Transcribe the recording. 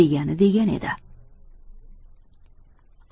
degani degan edi